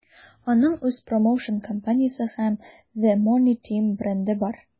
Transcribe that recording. Аның үз промоушн-компаниясе һәм The Money Team бренды бар.